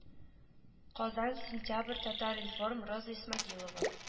Казан сентябрь татар-информ роза исмәгыйлова